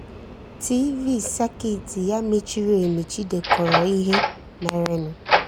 TiiVii sekiiti ya mechiri emechi dekọrọ ihe merenụ.